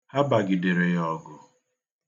Ha bagidere ya ọgụ.